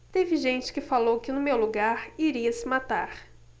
teve gente que falou que no meu lugar iria se matar